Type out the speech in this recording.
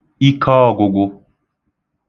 ikeọ̄gwụ̄gwụ̄